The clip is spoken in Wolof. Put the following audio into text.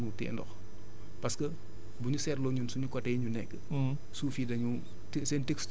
matière organique moo koy jàppale pour mu téye ndox parce que bu ñu seetloo ñun suñu côté yi ñu nekkee